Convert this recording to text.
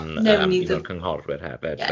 cynghorwyr hefyd.